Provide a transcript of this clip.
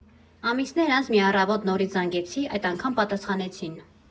Ամիսներ անց մի առավոտ նորից զանգեցի՝ այդ անգամ պատասխանեցին։